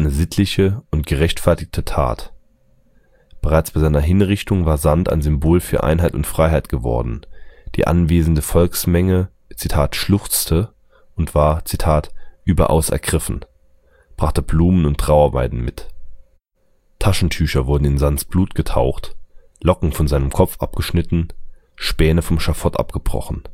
sittliche und gerechtfertigte Tat. Bereits bei seiner Hinrichtung war Sand ein Symbol für Einheit und Freiheit geworden, die anwesende Volksmenge „ schluchzte “und war „ überaus ergriffen “, brachte Blumen und Trauerweiden mit. Taschentücher wurden in Sands Blut getaucht, Locken von seinem Kopf abgeschnitten, Späne vom Schafott abgebrochen